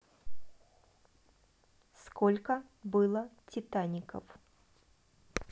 сколько было титаников